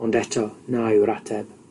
Ond eto, na yw'r ateb.